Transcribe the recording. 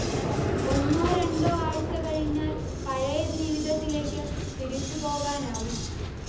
ഒന്നോ രണ്ടോ ആഴ്ച കഴിഞ്ഞാൽ പഴയ ജീവിതത്തിലേക്കു തിരിച്ചു പോകാനാവും